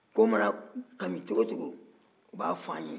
ko mana kami cogo wo cogo u b'a f'an ye